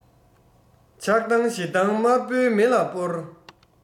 ཆགས སྡང ཞེ སྡང དམར པོའི མེ ལ སྤོར